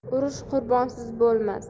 urush qurbonsiz bo'lmas